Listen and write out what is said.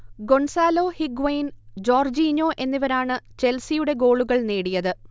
Gonzalo Higuain, Jorginho എന്നിവരാണ് ചെൽസിയുടെ ഗോളുകൾ നേടിയത്